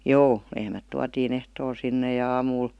joo lehmät tuotiin ehtoolla sinne ja aamulla